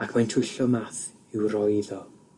ac mae'n twyllo Math i'w roi iddo.